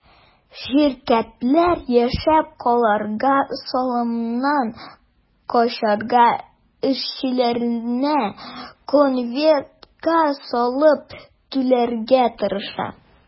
Ширкәтләр яшәп калырга, салымнан качарга, эшчеләренә конвертка салып түләргә тырыша.